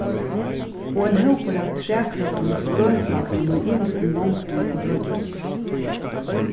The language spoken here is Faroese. og ein hópur av trækløddum spønplátum í ymiskum longdum og breiddum